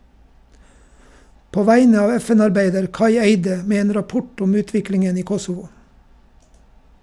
På vegne av FN arbeider Kai Eide med en rapport om utviklingen i Kosovo.